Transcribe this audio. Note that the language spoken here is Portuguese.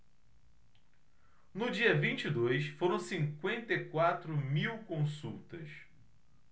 no dia vinte e dois foram cinquenta e quatro mil consultas